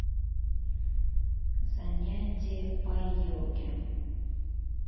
занятия по йоге